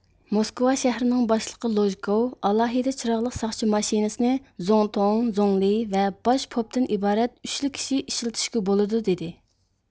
موسكۋا شەھىرىنىڭ باشلىقى لۇژكوۋ ئالاھىدە چىراغلىق ساقچى ماشىنىسىنى زۇڭتۇڭ زۇڭلى ۋە باش پوپتىن ئىبارەت ئۈچلا كىشى ئىشلىتىشكە بولىدۇ دېدى